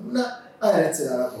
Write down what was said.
Nka an yɛrɛ tɛyara fɔ